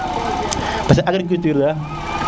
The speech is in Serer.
parce que agriculture